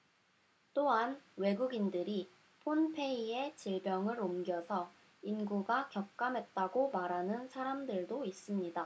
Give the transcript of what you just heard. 또한 외국인들이 폰페이에 질병을 옮겨서 인구가 격감했다고 말하는 사람들도 있습니다